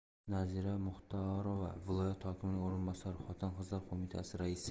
nazira muxtorova viloyat hokimining o'rinbosari xotin qizlar qo'mitasi raisi